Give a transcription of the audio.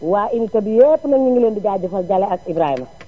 waa unité bi yépp nag ñu ngi leen di jaajëfal Jalle ak Ibrahima